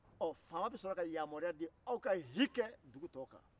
ɔ faama bɛ sɔrɔ ka yamariya di aw ka hi kɛ dugu tɔ kan